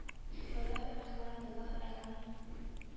-валлаһи әгълам, валлаһи әгълам.